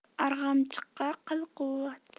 arg'amchiga qil quvvat